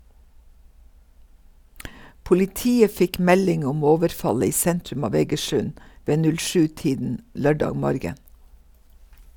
Politiet fikk melding om overfallet i sentrum av Egersund ved 07-tiden lørdag morgen.